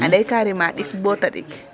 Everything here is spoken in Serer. ande ka rima ɗik bo tadik .